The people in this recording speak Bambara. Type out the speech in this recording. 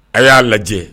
A' y'a lajɛ